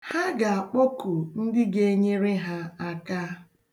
Ha ga-akpọku ndị ga-enyere ha aka.